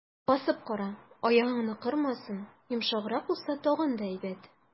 Басып кара, аягыңны кырмасын, йомшаграк булса, тагын да әйбәт.